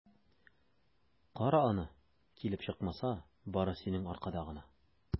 Кара аны, килеп чыкмаса, бары синең аркада гына!